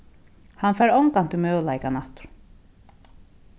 hann fær ongantíð møguleikan aftur